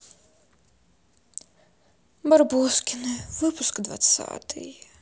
барбоскины выпуск двадцатый